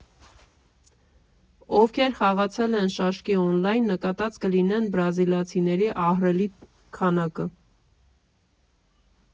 Ովքեր խաղացել են շաշկի օնլայն, նկատած կլինեն բրազիլացիների ահռելի քանակը։